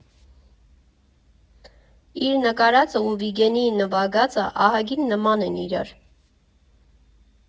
Իր նկարածը ու Վիգենի նվագածը ահագին նման են իրար։